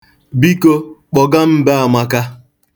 Biko, kpọga m be Amaka.